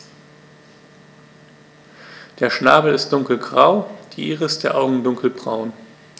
Der Schnabel ist dunkelgrau, die Iris der Augen dunkelbraun.